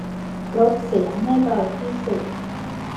ลดเสียงให้เบาที่สุด